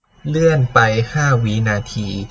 เลื่อนไปห้าวินาที